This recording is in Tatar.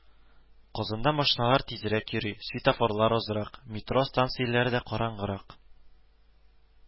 Казанда машиналар тизрәк йөри, светофорлар азрак, метро станцияләре караңгырак